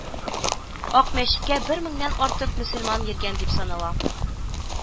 Ак мәчеткә бер меңнән артык мөселман йөргән дип санала